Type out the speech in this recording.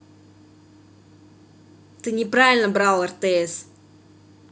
ты неправильно брал ртс